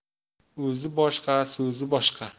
o'zi boshqa so'zi boshqa